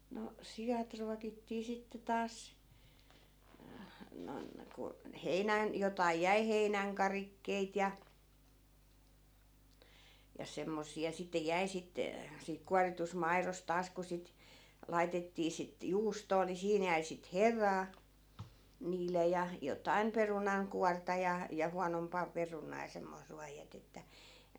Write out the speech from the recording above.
no siat ruokittiin sitten taas noin kun - jotakin jäi heinänkarikkeita ja ja semmoisia sitten jäi sitten siitä kuoritusta maidosta taas kun sitten laitettiin sitten juustoa niin siinä jäi sitten heraa niille ja jotakin perunankuorta ja ja huonompaa perunaa ja semmoista ruoan jätettä